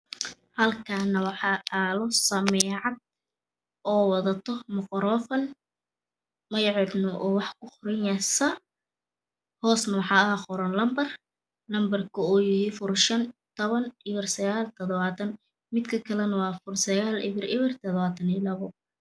Halkan waxa aalo samecad oo wadato Maka rofan magaceduna wa ubax kuQoranyahay s hosna waxa oga Qoran lanbar Lanbarka u yahay furo shan tobaniyosagal todabatan midka ka kale wa furo sagal ebereber Todabatan iyo labo